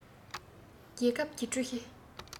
རྒྱལ ཁབ ཀྱི ཀྲུའུ ཞི